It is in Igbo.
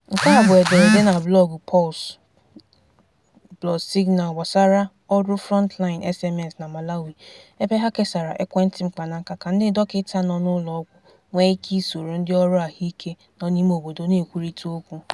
Nke a bụ ederede na blọọgụ Pulse + Signal gbasara ọrụ FrontlineSMS na Malawi, ebe ha kesara ekwentị mkpanaaka ka ndị dọkịta nọ n'ụlọọgwụ nwee ike isoro ndịọrụ ahụike nọ n'imeobodo na-ekwurịta okwu.